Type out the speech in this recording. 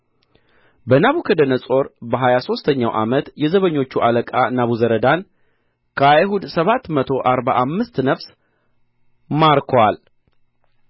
በናቡከደነፆር በሀያ ሦስተኛው ዓመት የዘበኞቹ አለቃ ናቡዘረዳን ከአይሁድ ሰባት መቶ አርባ አምስት ነፍስ ማርኮአል